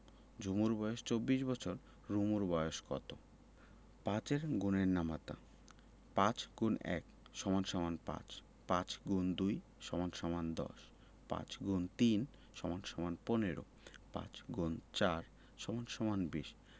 ঝুমুর বয়স ২৪ বছর রুমুর বয়স কত ৫ এর গুণের নামতা ৫× ১ = ৫ ৫× ২ = ১০ ৫× ৩ = ১৫ ৫× ৪ = ২০